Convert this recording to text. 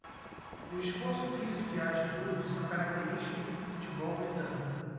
o esforço físico e a atitude são característicos do futebol britânico